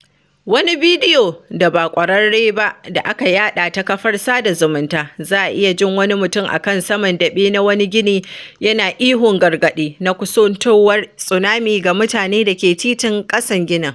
Wani bidiyon da ba ƙwararre ba da aka yaɗa ta kafar sada zumunta za a iya jin wani mutum a kan saman daɓe na wani gini yana ihun gargaɗi na kusantowar tsunami ga mutane da ke titin ƙasan ginin.